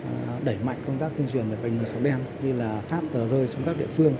à đẩy mạnh công tác tuyên truyền về bệnh lùn sọc đen như là phát tờ rơi xuống các địa phương